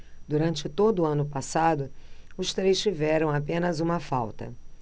durante todo o ano passado os três tiveram apenas uma falta